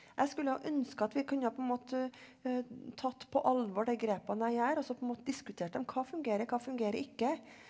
jeg skulle ha ønska at vi kunne på en måte tatt på alvor de grepene jeg gjør og så på en måte diskuterte dem, hva fungerer, hva fungerer ikke?